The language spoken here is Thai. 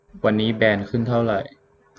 วันนี้แบรนด์ขึ้นเท่าไหร่